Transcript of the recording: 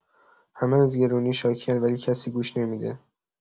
همه از گرونی شاکین ولی کسی گوش نمی‌ده.